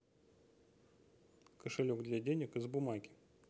кошелек для денег из бумаги